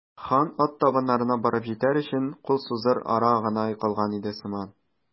Хан ат табыннарына барып җитәр өчен кул сузыр ара гына калган иде сыман.